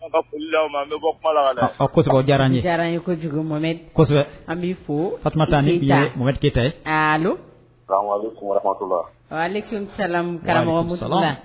Diyara ko kojugumɛ kosɛbɛ an bɛ fɔta nike tɛ karamɔgɔ